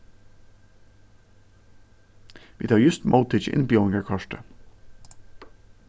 vit hava júst móttikið innbjóðingarkortið